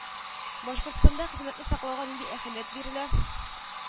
Башкортстанда хезмәтне саклауга нинди әһәмият бирелә